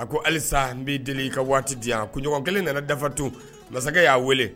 A ko halisa n b'i deli i ka waati di yan koɲɔgɔn kelen nana dafa tun masakɛ y'a wele